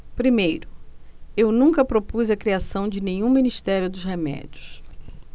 primeiro eu nunca propus a criação de nenhum ministério dos remédios